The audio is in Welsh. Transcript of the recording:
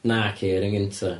Naci, yr un gynta.